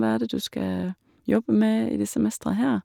Hva er det du skal jobbe med i det semesteret her?